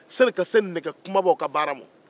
yanni ka se nɛgɛ kunbabaw ka baara ma